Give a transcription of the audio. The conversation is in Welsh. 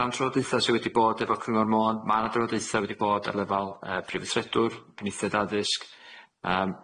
O ran trafodeutha sy wedi bod efo cyngor Môn ma' 'na drafodeutha wedi bod ar lefal yy Prif Weithredwr, Pneithiad addysg yym